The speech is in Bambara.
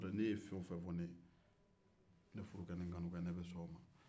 n'o tɛ ni e ye fɛn o fɛn ne ye ne furukɛ ni ne kanukɛ ne bɛ sɔn o ma